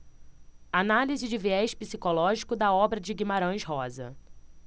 análise de viés psicológico da obra de guimarães rosa